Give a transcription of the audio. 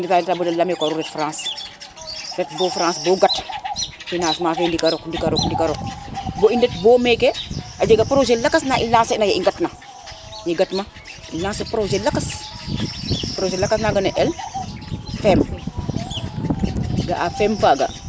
i ndeta bada leyame ko waro ret France ret bo France bo gat financement fe ndika rok ndika rok bo i ndet bo meke a jega projet lkas na i lancer na ye i ngat na ye gat ma um lancer projet lakas projet lakas naga ne el Fm ga a Fem faga